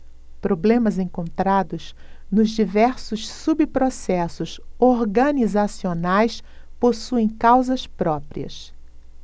problemas encontrados nos diversos subprocessos organizacionais possuem causas próprias